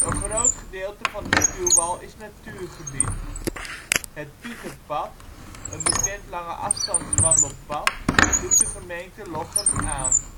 groot gedeelte van de stuwwal is natuurgebied. Het Pieterpad, een bekend langeafstandswandelpad, doet de gemeente Lochem aan